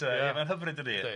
de. Ie mae'n hyfryd dydi? 'Di.